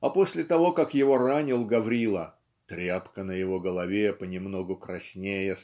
а после того как его ранил Гаврила "тряпка на его голове понемногу краснея